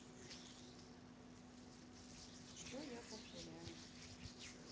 что я повторяю